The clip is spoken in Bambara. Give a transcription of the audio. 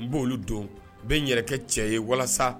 N b'olu don , bɛ n yɛrɛ kɛ cɛ ye walasa